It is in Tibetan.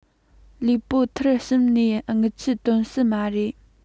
ལུས པོ མཐར ཕྱིན ནས རྔུལ ཆུ དོན སྲིད མ རེད